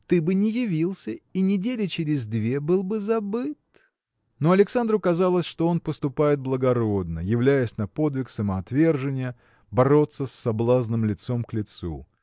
ты бы не явился, и недели через две был бы забыт. Но Александру казалось что он поступает благородно являясь на подвиг самоотвержения бороться с соблазном лицом к лицу.